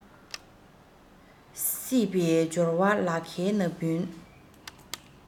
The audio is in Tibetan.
སྲིད པའི འབྱོར བ ལ ཁའི ན བུན